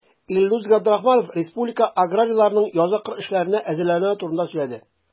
Илдус Габдрахманов республика аграрийларының язгы кыр эшләренә әзерләнүләре турында сөйләде.